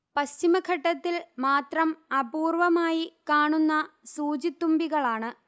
പശ്ചിമഘട്ടത്തിൽ മാത്രം അപൂർവ്വമായി കാണുന്ന സൂചിത്തുമ്പികളാണ്